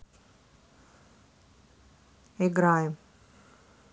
играем